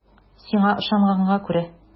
Сиңа ышанганга күрә.